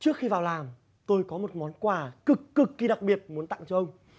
trước khi vào làm tôi có một món quà cực cực kỳ đặc biệt muốn tặng cho ông